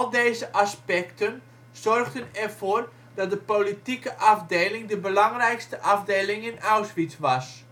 deze aspecten zorgden ervoor dat de politieke afdeling de belangrijkste afdeling in Auschwitz was